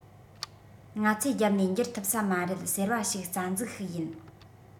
ང ཚོས རྒྱབ ནས འགྱུར ཐུབ ས མ རེད ཟེར བ ཞིག རྩ འཛུགས ཤིག ཡིན